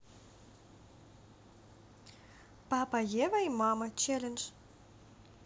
папа ева и мама челлендж